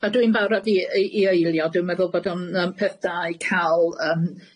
A dwi'n barod i i i eilio, dwi'n meddwl bod o'n yym peth da i ca'l yym